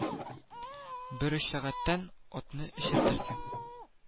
Бер өч сәгатьтән атны эчертерсең